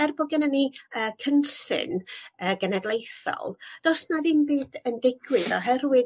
er bo' gennyn ni yy cynllun yy genedlaethol do's na ddim byd yn digwydd oherwydd